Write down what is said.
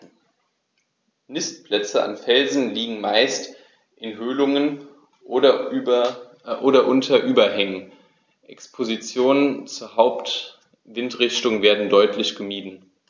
Nistplätze an Felsen liegen meist in Höhlungen oder unter Überhängen, Expositionen zur Hauptwindrichtung werden deutlich gemieden.